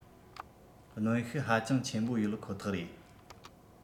གནོན ཤུགས ཧ ཅང ཆེན པོ ཡོད ཁོ ཐག རེད